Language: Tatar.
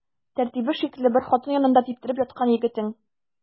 Тәртибе шикле бер хатын янында типтереп яткан егетең.